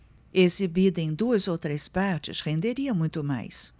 exibida em duas ou três partes renderia muito mais